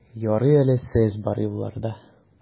Ярый әле сез бар юлларда!